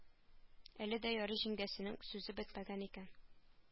Әле дә ярый җиңгәсенең сүзе бетмәгән икән